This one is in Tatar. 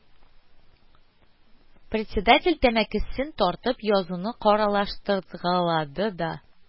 Председатель, тәмәкесен тартып, язуны караштырга-лады да: